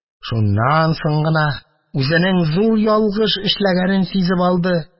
Шуннан соң гына үзенең зур ялгыш эшләгәнен сизеп алды.